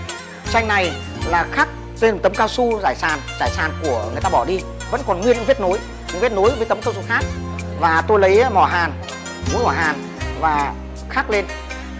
tranh này là khắc trên tấm cao su rải sàn rải sàn của người ta bỏ đi vẫn còn nguyên vết nối vết nối với tấm cao su khác và tôi lấy mỏ hàn mũi mỏ hàn và khắc lên